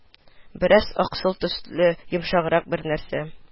Бераз аксыл төсле, йомшаграк бер нәрсә